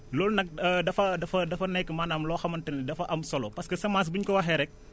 loolu nag dafa dafa dafa nekk maanaam loo xamante ne dafa am solo parce que semence bi ñu ko waxee rek